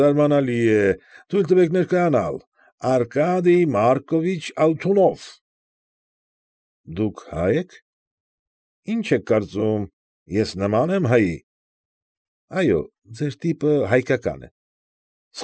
Զարմանալի է, թույլ տվեք ներկայանալ՝ Արկադիյ Մարկովիչ Ալթունով… ֊ Դուք հա՞յ եք։ ֊ Ի՞նչ եք կարծում, ես նմա՞ն եմ հայի։ ֊ Այո, ձեր տիպը հայկական է։ ֊